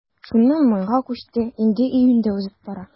Шуннан майга күчте, инде июнь дә узып бара.